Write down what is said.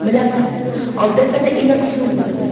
bilaman obdastada iliq suv bor